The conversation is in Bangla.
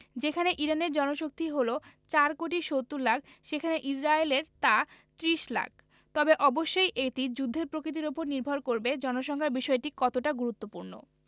যেখানে ইরানের জনশক্তি হলো ৪ কোটি ৭০ লাখ সেখানে ইসরায়েলের তা ৩০ লাখ তবে অবশ্যই এটি যুদ্ধের প্রকৃতির ওপর নির্ভর করবে জনসংখ্যার বিষয়টি কতটা গুরুত্বপূর্ণ